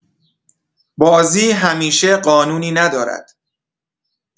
بازی همیشه قانونی ندارد.